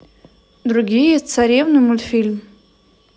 другие царевны мультфильм